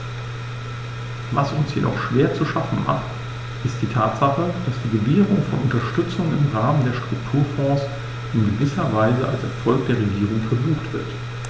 Was uns jedoch schwer zu schaffen macht, ist die Tatsache, dass die Gewährung von Unterstützung im Rahmen der Strukturfonds in gewisser Weise als Erfolg der Regierung verbucht wird.